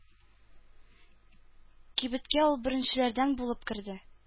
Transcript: Кибеткә ул беренчеләрдән булып керде.